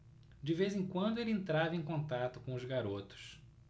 de vez em quando ele entrava em contato com os garotos